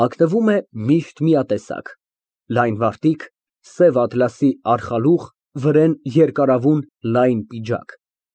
Հագնվում է միշտ միատեսակ ֊ լայն վարտիք, սև ատլասի արխալուղ, վրեն երկարավուն, լայն պիջակ։